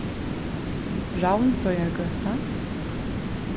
ravnsoyargøta